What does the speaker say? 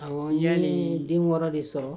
Awɔ n ya ni den 6 de sɔrɔ.